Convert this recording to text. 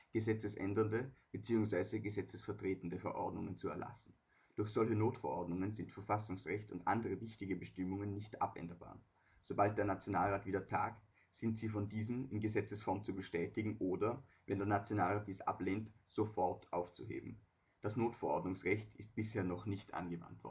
gesetzesändernde bzw. gesetzesvertretende Verordnungen zu erlassen. Durch solche Notverordnungen sind Verfassungsrecht und andere wichtige Bestimmungen nicht abänderbar. Sobald der Nationalrat wieder tagt, sind sie von diesem in Gesetzesform zu bestätigen oder - wenn der Nationalrat dies ablehnt - sofort aufzuheben. Das Notverordnungsrecht ist bisher noch nicht angewendet